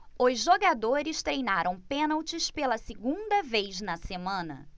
os jogadores treinaram pênaltis pela segunda vez na semana